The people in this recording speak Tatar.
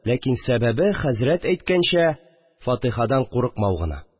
Ләкин сәбәбе, – хәзрәт әйткәнчә, «Фатихадан курыкмау» гына